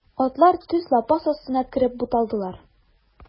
Атлар төз лапас астына кереп буталдылар.